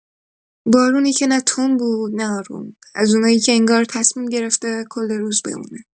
بارونی که نه تند بود نه آروم، از اونایی که انگار تصمیم گرفته کل روز بمونه.